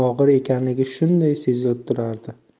og'ir ekanligi shunday sezilib turardi